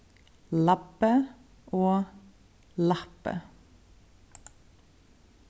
labbi og lappi